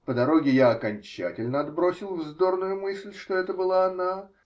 По дороге я окончательно отбросил вздорную мысль, что это была она.